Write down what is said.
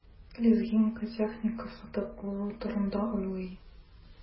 Лизингка техника сатып алу турында уйлый.